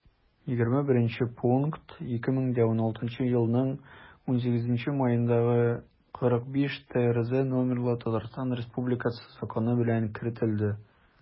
21 пункт 2016 елның 18 маендагы 45-трз номерлы татарстан республикасы законы белән кертелде